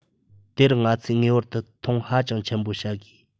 དེར ང ཚོས ངེས པར དུ མཐོང ཧ ཅང ཆེན པོ བྱ དགོས